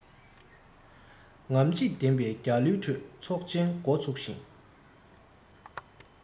རྔམ བརྗིད ལྡན པའི རྒྱལ གླུའི ཁྲོད ཚོགས ཆེན འགོ ཚུགས ཤིང